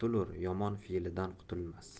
yomon fe'lidan qutulmas